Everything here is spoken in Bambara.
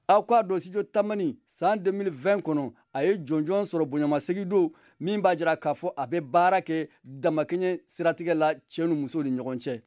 aw k'a dɔn ko studio tamani san 2020 kɔnɔ a ye janjo sɔrɔ bonyamasegin don min b'a jira k'a fɔ a bɛ baara kɛ damakɛɲɛ siratigɛ la cɛ ni muso ni ɲɔgɔn cɛ